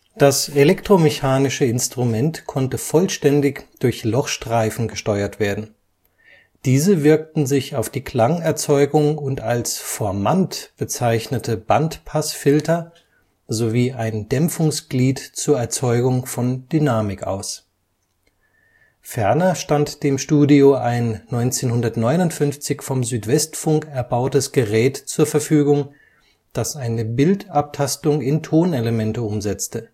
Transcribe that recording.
Das elektromechanische Instrument konnte vollständig durch Lochstreifen gesteuert werden. Diese wirkten sich auf die Klangerzeugung und als Formant-bezeichnete Bandpassfilter, sowie ein Dämpfungsglied zur Erzeugung von Dynamik aus. Ferner stand dem Studio ein 1959 vom Südwestfunk erbautes Gerät zur Verfügung, das eine Bildabtastung in Tonelemente umsetzte